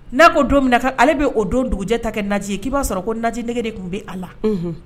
N'a ko don mina ale bɛ o don dugujɛ ta kɛ naaji k'i b'a sɔrɔ ko naaj nege de tun bɛ a la